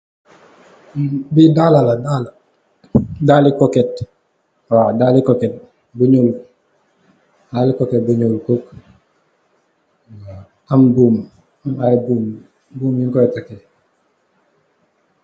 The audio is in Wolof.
Bii daalë la, daalë, daali koket. Waaw, daali koket bu ñuul, am buum, buum bu ñu kooy takké.